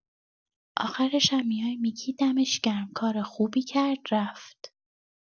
آخرشم میای می‌گی دمش گرم کار خوبی کرد رفت!